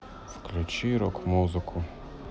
включи рок музыку